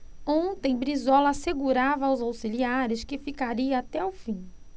ontem brizola assegurava aos auxiliares que ficaria até o fim